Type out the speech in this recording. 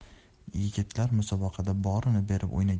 yigitlar musobaqada borini berib o'ynagani